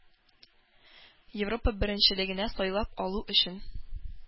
Европа беренчелегенә сайлап алу өчен